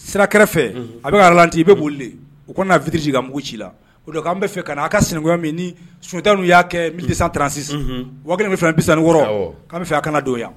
Sira kɛrɛfɛ a bɛlanti i bɛ boli u kana vtiri mugu ci la o don an bɛ fɛ ka' a ka sinan min ni sunjata tan y'a kɛ mi santransi bɛ fɛnkɔrɔ fɛ a ka don yan